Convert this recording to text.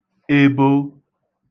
ebo